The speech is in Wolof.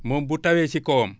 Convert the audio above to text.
moom bu tawee ci kawam